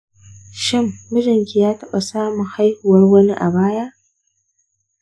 shin mijinki ya taɓa samun haihuwar wani a baya?